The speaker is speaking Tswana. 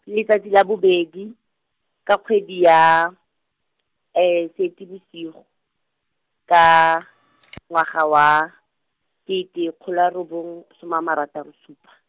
letsatsi la bobedi, ka kgwedi ya, Seetebosigo, ka, ngwaga wa, kete kgolo a robong, soma a marataro supa.